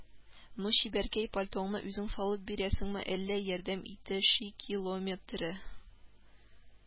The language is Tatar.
Ну, чибәркәй, пальтоңны үзең салып бирәсеңме, әллә ярдәм итешикилометре